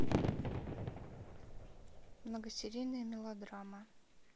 многосерийные мелодрамы